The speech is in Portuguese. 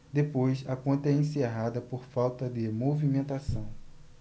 depois a conta é encerrada por falta de movimentação